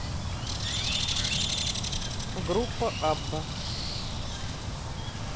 группа абба